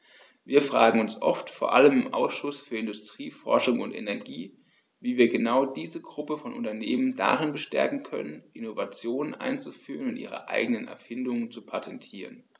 Wir fragen uns oft, vor allem im Ausschuss für Industrie, Forschung und Energie, wie wir genau diese Gruppe von Unternehmen darin bestärken können, Innovationen einzuführen und ihre eigenen Erfindungen zu patentieren.